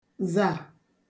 zà